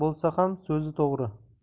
bo'lsa ham so'zi to'g'ri